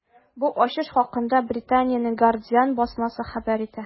Бу ачыш хакында Британиянең “Гардиан” басмасы хәбәр итә.